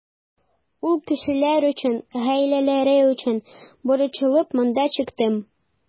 Ул кешеләр өчен, гаиләләре өчен борчылып монда чыктым.